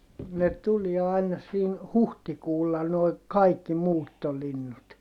ne tuli aina siinä huhtikuulla nuo kaikki muuttolinnut